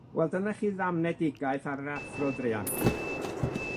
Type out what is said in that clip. Wel dyna chi ddamnedigaeth ar yr athro druan.